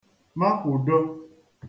makwùdo